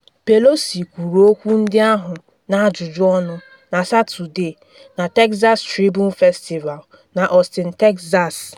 Pelosi kwuru okwu ndị ahụ n’ajụjụ ọnụ na Satọde na Texas Tribune Festival na Austin, Texas.